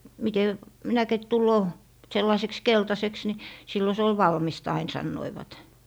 miten minäkin tulee sellaiseksi keltaiseksi niin silloin se oli valmista aina sanoivat